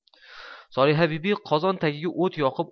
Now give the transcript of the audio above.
solihabibi qozon tagiga o't yoqib